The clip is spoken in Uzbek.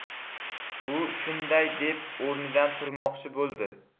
u shunday deb o'rnidan turmoqchi bo'ldi